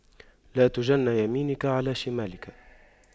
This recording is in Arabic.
لا تجن يمينك على شمالك